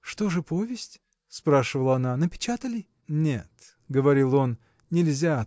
Что же повесть, – спрашивала она, – напечатали? – Нет! – говорил он, – нельзя